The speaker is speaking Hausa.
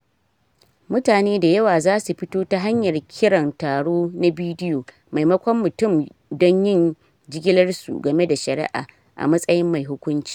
Mutane da yawa za su fito ta hanyar kiran taro na bidiyo, maimakon mutum, don yin jigilar su game da shari'a, a matsayin mai hukunci.